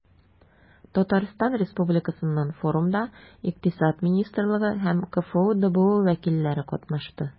Татарстан Республикасыннан форумда Икътисад министрлыгы һәм КФҮ ДБУ вәкилләре катнашты.